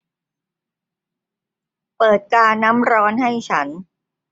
เปิดกาน้ำร้อนให้ฉัน